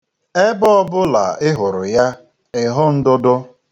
Ebe ọbụla ị hụrụ ya, ị hụ ndụdụ.